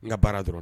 N ka baara dɔrɔn